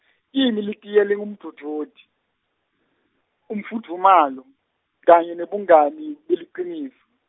imi litiya lingumdvudvuti, imfudvumalo kanye nebungani beliciniso.